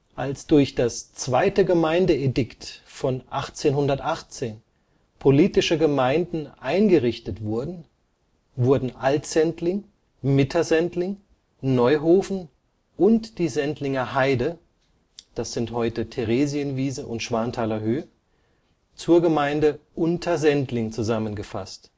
Als durch das Zweite Gemeindeedikt von 1818 politische Gemeinden eingerichtet wurden, wurden Altsendling, Mittersendling, Neuhofen und die Sendlinger Haide (heute Theresienwiese und Schwanthalerhöhe) zur Gemeinde Untersendling zusammenfasst